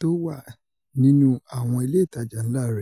tówà nínú àwọn ilé ìtajà ńlá rè̀.